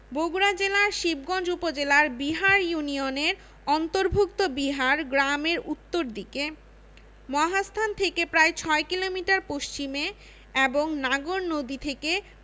বগুড়া জেলার শিবগঞ্জ উপজেলার বিহার ইউনিয়নের অন্তর্ভুক্ত বিহার গ্রামের উত্তর দিকে মহাস্থান থেকে প্রায় ৬ কিলোমিটার পশ্চিমে এবং নাগর নদী থেকে